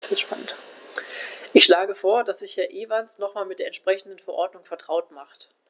Ich schlage vor, dass sich Herr Evans nochmals mit der entsprechenden Verordnung vertraut macht.